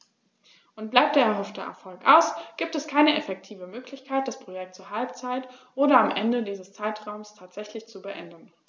Und bleibt der erhoffte Erfolg aus, gibt es keine effektive Möglichkeit, das Projekt zur Halbzeit oder am Ende dieses Zeitraums tatsächlich zu beenden.